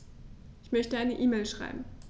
Ich möchte eine E-Mail schreiben.